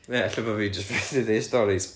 neu ella bo fi jyst methu deud storis